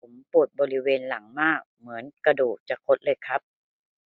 ผมปวดบริเวณหลังมากเหมือนกระดูกจะคดเลยครับ